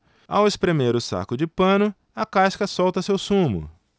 ao espremer o saco de pano a casca solta seu sumo